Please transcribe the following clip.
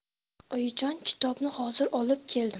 oyijon kitobni hozir olib keldim